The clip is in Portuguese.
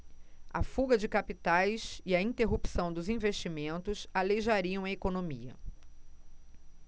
a fuga de capitais e a interrupção dos investimentos aleijariam a economia